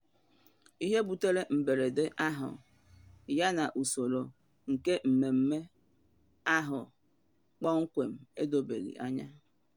Ihe butere mberede ahụ yana usoro nke mmemme ahụ kpọmkwem edobeghi anya.